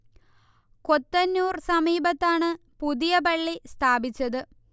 കൊത്തനൂർ സമീപത്താണ് പുതിയ പള്ളി സ്ഥാപിച്ചത്